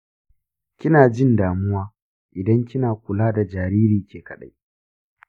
kina jin damuwa idan kina kula da jariri ke kaɗai?